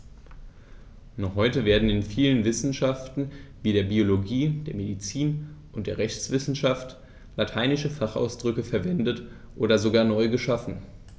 Noch heute werden in vielen Wissenschaften wie der Biologie, der Medizin und der Rechtswissenschaft lateinische Fachausdrücke verwendet und sogar neu geschaffen.